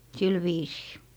sillä viisiin